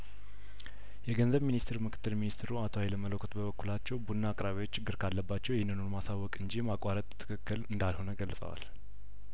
የገንዘብ ሚኒስቴር ምክትል ሚኒስትሩ አቶ ሀይለመለኮት በበኩላቸው ቡና አቅራቢዎች ችግር ካለባቸው ይህንኑ ማሳወቅ እንጂ ማቋረጣቸው ትክክል እንዳልሆነ ገልጸዋል